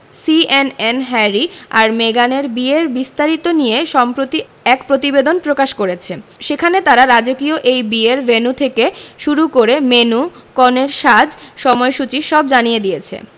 CNN Harry আর মেগানের বিয়ের বিস্তারিত নিয়ে সম্প্রতি এক প্রতিবেদন প্রকাশ করেছে সেখানে তারা রাজকীয় এই বিয়ের ভেন্যু থেকে শুরু করে মেন্যু কনের সাজ সময়সূচী সব জানিয়ে দিয়েছে